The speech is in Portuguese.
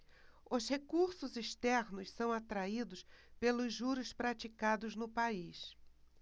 os recursos externos são atraídos pelos juros praticados no país